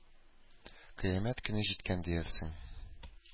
Кыямәт көне җиткән диярсең.